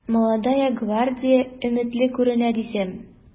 “молодая гвардия” өметле күренә дисәм...